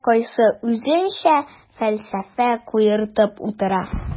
Һәркайсы үзенчә фәлсәфә куертып утыра.